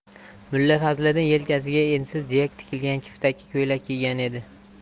mulla fazliddin yelkasiga ensiz jiyak tikilgan kiftaki ko'ylak kiygan edi